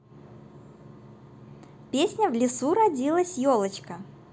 песня в лесу родилась елочка